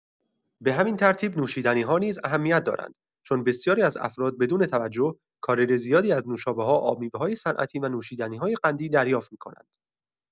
به همین ترتیب نوشیدنی‌ها نیز اهمیت دارند، چون بسیاری از افراد بدون توجه، کالری زیادی از نوشابه‌ها، آبمیوه‌های صنعتی و نوشیدنی‌های قندی دریافت می‌کنند.